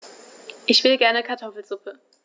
Ich will gerne Kartoffelsuppe.